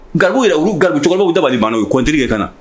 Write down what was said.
Garbuw yɛrɛ olu garbu cogolo u bali banna u ye contenu kɛ kana